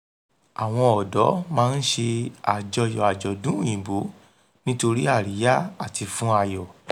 Àwọn ọ̀dọ́ máa ń ṣe àjọyọ̀ àjọ̀dún Òyìnbó nítorí àríyá àti fún ayọ̀.